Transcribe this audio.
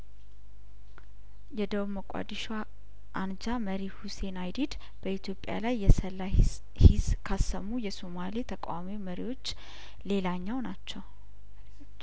የደቡብ ሞቃዲሾ አንጃ መሪ ሁሴን አይዲድ በኢትዮጵያ ላይ የሰላ ሂስ ሂስ ካሰሙ የሱማሌ ተቃዋሚ መሪዎች ሌላኛው ናቸው